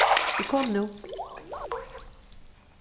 eg komi nú